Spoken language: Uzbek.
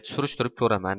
surishtirib ko'raman